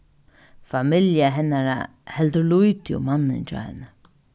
familja hennara heldur lítið um mannin hjá henni